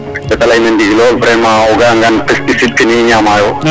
ke ta layna ndigil o vraiment o ga'angaan pesticide kene i ñaamaayo